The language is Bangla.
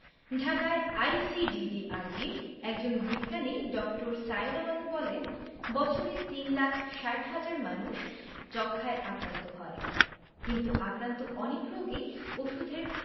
ঢাকায় আইসিডিডিআরবির একজন বিজ্ঞানী ড. সায়েরা বানু বলেন বছরে তিন লাখ ৬০ হাজার মানুষ যক্ষ্মায় আক্রান্ত হয় কিন্তু আক্রান্ত অনেক রোগী ওষুধের